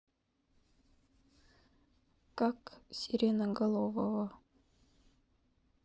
как сиреноголового